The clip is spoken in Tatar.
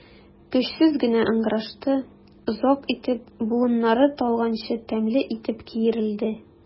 Көчсез генә ыңгырашты, озак итеп, буыннары талганчы тәмле итеп киерелде.